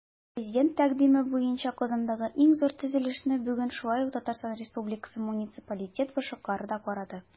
Президент тәкъдиме буенча Казандагы иң зур төзелешне бүген шулай ук ТР муниципалитет башлыклары да карады.